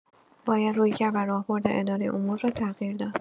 باید رویکرد و راهبرد اداره امور را تغییر داد.